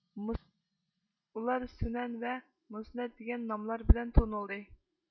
ئۇلار سۈنەن ۋە مۇسنەد دىگەن ناملار بىلەن تونۇلدى